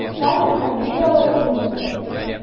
Сафин фамилияле ир икән.